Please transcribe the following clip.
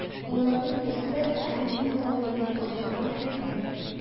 Аларның берсе – “Алина салоны” дип аталган ширкәт.